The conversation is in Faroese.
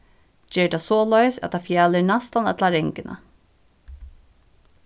ger tað soleiðis at tað fjalir næstan alla ranguna